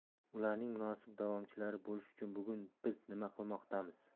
ularning munosib davomchilari bo'lish uchun bugun biz nima qilmoqdamiz